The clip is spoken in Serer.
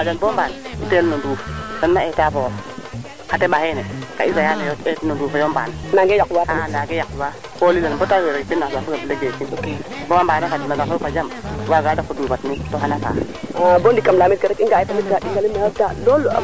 manam doole fe an do naye o tewa saqan bo a waga waago poli a siwo pod neeke a refa ka ɗom na lool lool bonu ande manam rewe daal gace ngalama in way ngid ma den a paxa paax i soɓ meke o tewo leŋ koy te poli a a ƴewa a ƴewa ɗomu parce que a siwo ke kay a mag na a paxa paax ga i coox kan rek te simnir fo o fogole avant :gfra i ndoka no lamit ke tewo paax simna xong